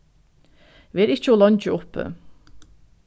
ver ikki ov leingi uppi